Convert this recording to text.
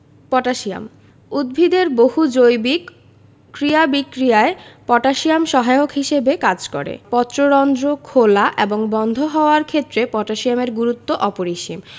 potassium উদ্ভিদের বহু জৈবিক ক্রিয়া বিক্রিয়ায় পটাশিয়াম সহায়ক হিসেবে কাজ করে পত্ররন্ধ্র খোলা এবং বন্ধ হওয়ার ক্ষেত্রে পটাশিয়ামের গুরুত্ব অপরিসীম